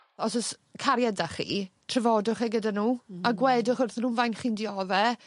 Os o's cariad 'da chi, trafodwch e gyda nw, a gwedwch wrthyn nw faint chi'n diodde.